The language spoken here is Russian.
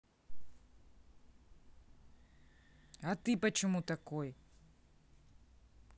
а ты почему такой